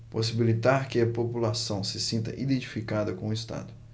possibilitar que a população se sinta identificada com o estado